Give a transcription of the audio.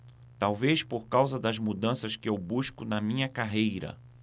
talvez por causa das mudanças que eu busco na minha carreira